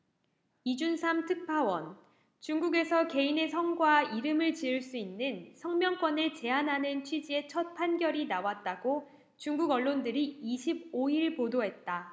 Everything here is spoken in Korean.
이준삼 특파원 중국에서 개인의 성과 이름을 지을 수 있는 성명권을 제한하는 취지의 첫 판결이 나왔다고 중국언론들이 이십 오 일 보도했다